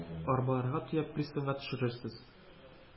Арбаларга төяп пристаньга төшерерсез.